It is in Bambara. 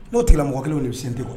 N'o tile mɔgɔ kelenw de bɛ sen tɛ kɔ